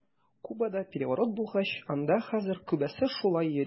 Кубада переворот булгач, анда хәзер күбесе шулай йөри.